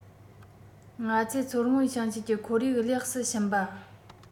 ང ཚོས མཚོ སྔོན ཞིང ཆེན གྱི ཁོར ཡུག ལེགས སུ ཕྱིན པ